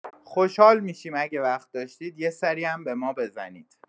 خوشحال می‌شیم اگه وقت داشتید یه سری هم به ما بزنید.